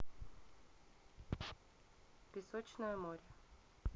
песочное море